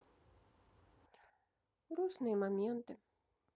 грустные моменты